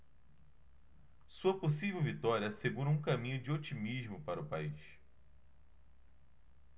sua possível vitória assegura um caminho de otimismo para o país